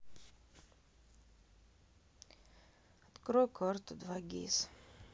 открой карту два гис